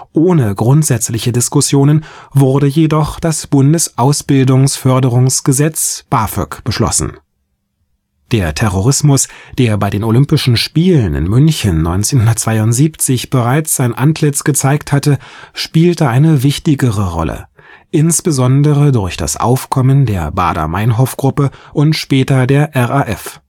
Ohne grundsätzliche Diskussionen wurde jedoch das Bundesausbildungsförderungsgesetz (BAFöG) beschlossen. Der Terrorismus, der bei den Olympischen Spielen in München 1972 bereits sein Antlitz gezeigt hatte, spielte eine wichtigere Rolle, insbesondere durch das Aufkommen der Baader-Meinhof-Gruppe und später der RAF